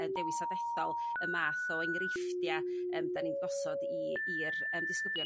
Yy dewis a dethol y math o enghreifftia' yym 'da ni'n gosod i i'r yym disgyblion